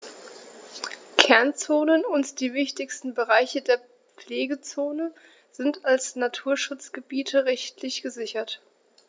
Kernzonen und die wichtigsten Bereiche der Pflegezone sind als Naturschutzgebiete rechtlich gesichert.